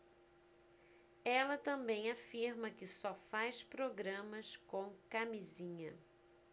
ela também afirma que só faz programas com camisinha